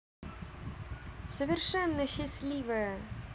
совершенно счастливая